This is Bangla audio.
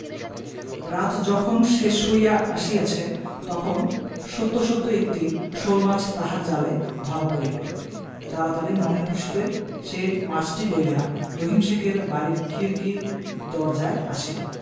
রাত যখন শেষ হইয়া আসিয়াছে তখন সত্য সত্যই একটি শোলমাছ তাহার জালে ধরা পড়িল তাড়াতাড়ি মনের খুশীতে সে মাছটি লইয়া রহিম শেখের বাড়ির খিড়কি দরজায় আসিল